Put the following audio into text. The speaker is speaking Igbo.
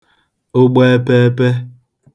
ụgbọ epeepe